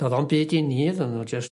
do'dd o'm byd i ni oddon n'w jyst